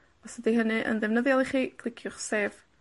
os ydi hynny yn ddefnyddiol i chi, cliciwch Save.